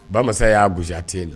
Bamasa y'a gosi a ten na.